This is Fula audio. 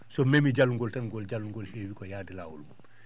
so memii jallungol tan ngool jallungol heewi ko yaade laawol mum